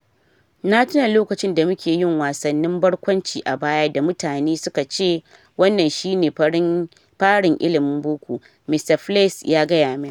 “Na tuna lokacinda muke yin wasannin barkwanci a baya da mutane suka ce, "wannan shi ne farin ilimin boko,"" Mr Fleiss ya gaya min.